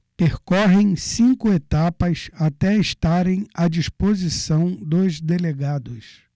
percorrem cinco etapas até estarem à disposição dos delegados